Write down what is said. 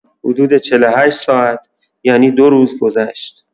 حدود ۴۸ ساعت، یعنی دو روز گذشت.